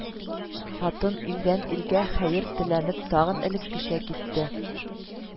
Хатын, илдән-илгә хәер теләнеп, тагын элеккечә китте